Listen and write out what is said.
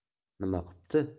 nima qipti